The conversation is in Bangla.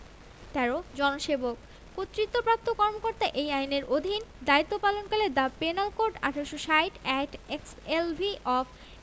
১৩ জনসেবকঃ কর্তৃত্বপ্রাপ্ত কর্মকর্তা এই আইনের অধীন দায়িত্ব পালনকালে the penal code ১৮৬০ act XLV of